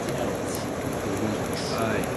Ti out for weeks. Aye.